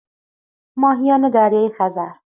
ماهیان دریای‌خزر